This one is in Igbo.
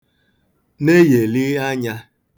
neyèli anyā